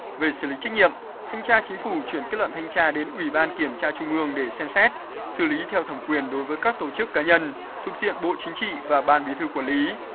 về xử lý trách nhiệm thanh tra chính phủ chuyển kết luận thanh tra đến ủy ban kiểm tra trung ương để xem xét xử lý theo thẩm quyền đối với các tổ chức cá nhân thuộc diện bộ chính trị và ban bí thư quản lý